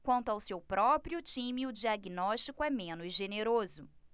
quanto ao seu próprio time o diagnóstico é menos generoso